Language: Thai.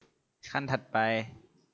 ขั้นถัดไป